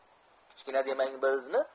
kichkina demang bizni